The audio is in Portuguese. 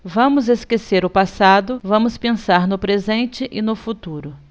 vamos esquecer o passado vamos pensar no presente e no futuro